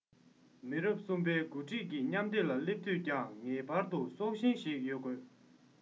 མི རབས གསུམ པའི འགོ ཁྲིད ཀྱི མཉམ བསྡེབ ལ སླེབས དུས ཀྱང ངེས པར དུ སྲོག ཤིང ཞིག ཡོད དགོས